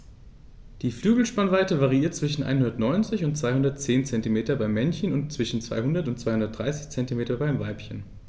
Die Flügelspannweite variiert zwischen 190 und 210 cm beim Männchen und zwischen 200 und 230 cm beim Weibchen.